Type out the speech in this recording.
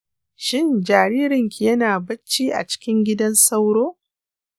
shin jaririnki yana bacci a cikin gidan sauro?